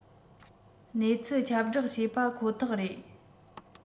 གནས ཚུལ ཁྱབ བསྒྲགས བྱས པ ཁོ ཐག རེད